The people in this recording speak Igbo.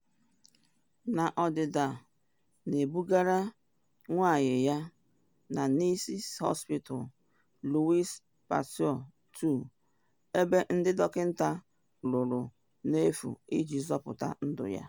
Na ọdịda na ebugala nwa nwanyị ya na Nice’s Hospital Louis Pasteur 2, ebe ndị dọkịnta rụrụ n’efu iji zọpụta ndụ ya.